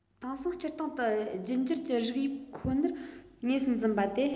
དེང སང སྤྱིར བཏང དུ རྒྱུད འགྱུར གྱི རིགས དབྱིབས ཁོ ནར ངོས སུ འཛིན པ དེ